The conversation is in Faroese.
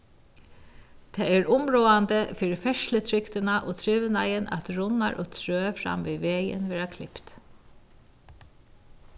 tað er umráðandi fyri ferðslutrygdina og trivnaðin at runnar og trø fram við vegin verða klipt